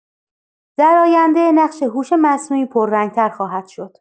در آینده، نقش هوش مصنوعی پررنگ‌تر خواهد شد.